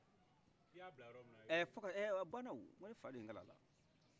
i ya bila yɔrɔ mina o bana o ko ne fa de ye kalan ala